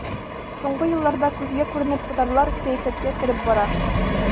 Соңгы елларда күзгә күренеп татарлар сәясәткә кереп бара.